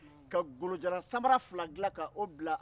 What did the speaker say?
ka golojalan mabara fila dilan k'o bila